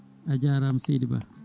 a jarama seydi Ba